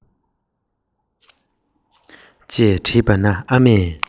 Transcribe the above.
ཅེས དྲིས པ ན ཨ མས